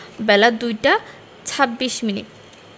বেলা ২টা ২৬মিনিট